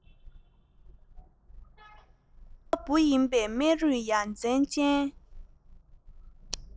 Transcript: དགུན ཁ འབུ ཡིན བའི སྨན རྩྭ ཡ མཚན ཅན